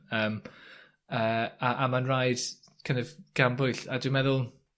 Yym yy a a ma'n raid kin' of gan bwyll. A dwi'n meddwl